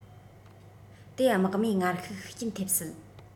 དེའི དམག མིའི ངར ཤུགས ཤུགས རྐྱེན ཐེབས སྲིད